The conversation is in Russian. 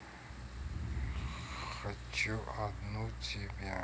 хочу одну тебя